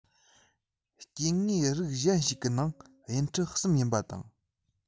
སྐྱེ དངོས རིགས གཞན ཞིག གི ནང དབྱིན ཁྲི གསུམ ཡིན པ དང